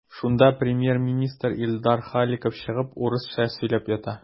Шунда премьер-министр Илдар Халиков чыгып урысча сөйләп ята.